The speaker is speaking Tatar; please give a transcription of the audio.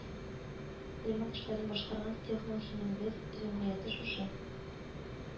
Ремонт эшләрен башкарган Технохиминвест җәмгыяте шушы